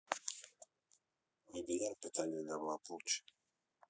вебинар питание для благополучия